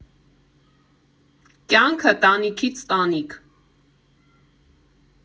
Կյանքը տանիքից տանիք։